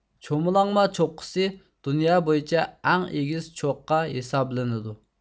چومۇلاڭما چوققىسى دۇنيا بويىچە ئەڭ ئېگىز چوققا ھېسابلىنىدۇ